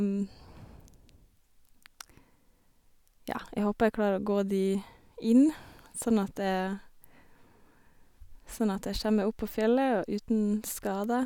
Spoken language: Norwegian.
Ja, jeg håper jeg klarer å gå de inn sånn at sånn at jeg kjem meg opp på fjellet og uten skader.